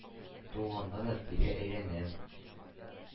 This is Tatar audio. Тулганда да тирә-әйләнәм.